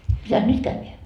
mitäs nyt käydään